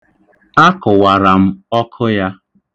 Akụwara m ọkụ ya.